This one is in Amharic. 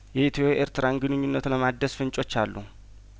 የኢትዮ ኤርትራን ግንኙነት ለማደስ ፍንጮች አሉ